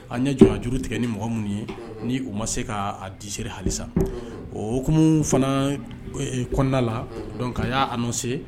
An ye jɔnjuru tigɛ ni mɔgɔ minnu ye ni u ma se k'a dise halisa okumu fana kɔnɔna la ka y'a nɔ se